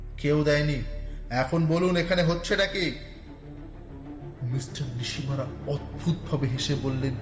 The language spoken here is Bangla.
কেউ দেয়নি এখন বলুন এখানে হচ্ছে টা কি মিস্টার নিশি মারা অদ্ভুত ভাবে হেসে বললেন